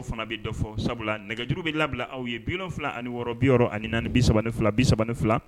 Fana bɛ dɔ nɛgɛjuru bɛ labila aw ye bifila ani wɔɔrɔ bi ani naani bi3 fila bi3 fila